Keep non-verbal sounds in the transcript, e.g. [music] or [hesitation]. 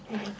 [hesitation] [hesitation]